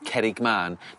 cerrig man